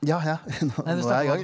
ja ja nå er jeg i gang.